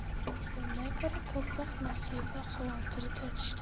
undan ko'ra ko'proq nasiba xavotirga tushdi